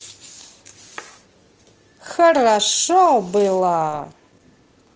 хорошо было